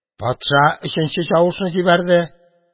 Патша өченче чавышны җибәрде.